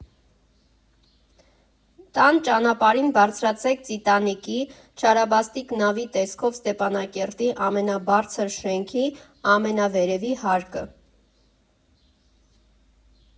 Տան ճանապարհին բարձրացեք «Տիտանիկի» (չարաբաստիկ նավի տեսքով Ստեփանակերտի ամենաբարձր շենքի) ամենավերևի հարկը։